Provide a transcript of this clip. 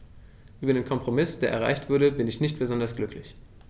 Über den Kompromiss, der erreicht wurde, bin ich nicht besonders glücklich.